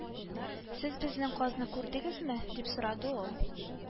"сез безнең казны күрдегезме" дип сорады ул